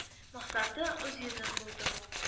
Максаты “үз йөзен” булдыру